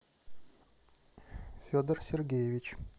федор сергеевич